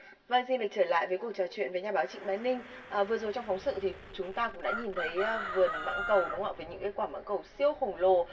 vâng xin được trở lại với cuộc trò chuyện với nhà báo trịnh bá ninh à vừa rồi trong phóng sự thì chúng ta cũng đã nhìn thấy vườn mãng cầu đúng hông ạ với những quả mãng cầu siêu khổng lồ